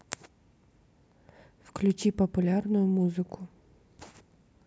включи популярную музыку